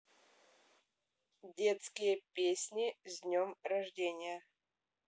детские песни с днем рождения